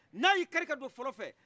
n' a ye i kari ka don folo fɛ